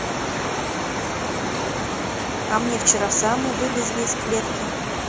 а мне вчера в самый вылезли из клетки